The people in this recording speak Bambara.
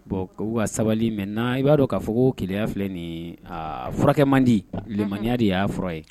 Bon wa sabali mɛn na i b'a dɔn k kaa fɔ ko keya filɛ nin furakɛ man di ya de y'a sɔrɔ ye